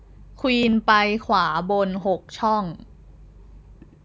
ควีนไปขวาบนหกช่อง